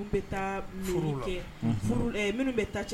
Munun bi taa maire kɛ . Furu la . Furu ɛɛ munun bi taa cɛ